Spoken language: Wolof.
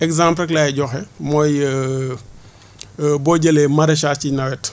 exemple rek laay joxe mooy boo jëlee maraîchage ci nawet